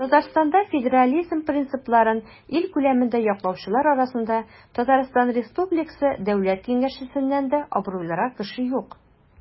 Татарстанда федерализм принципларын ил күләмендә яклаучылар арасында ТР Дәүләт Киңәшчесеннән дә абруйлырак кеше юк.